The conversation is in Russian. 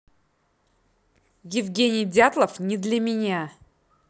евгений дятлов не для меня